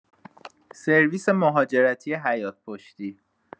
سرویس مهاجرتی حیاط پشتی